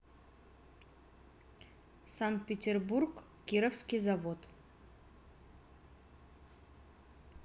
санкт петербург кировский завод